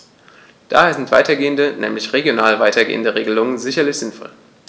Daher sind weitergehende, nämlich regional weitergehende Regelungen sicherlich sinnvoll.